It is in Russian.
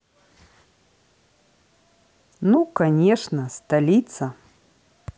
ну конечно столица